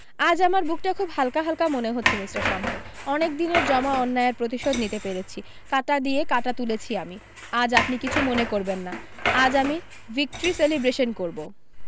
আজ আমার বুকটা খুব হালকা হালকা মনে হচ্ছে মিষ্টার শংকর অনেকদিনের জমা অন্যায়ের প্রতিশোধ নিতে পেরেছি কাঁটা দিয়ে কাঁটা তুলেছি আমি আজ আপনি কিছু মনে করবেন না আজ আমি ভিক্টরি সেলিব্রেশন করবো